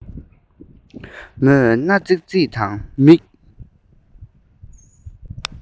མོས སྣ རྫིག རྫིག དང མིག